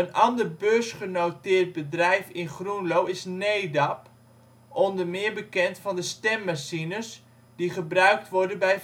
ander beursgenoteerd bedrijf in Groenlo is Nedap, onder meer bekend van de stemmachines die gebruikt worden bij